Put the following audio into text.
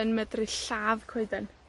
yn medru lladd coeden.